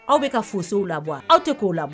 Aw be ka fosse w labɔ a aw te k'o la b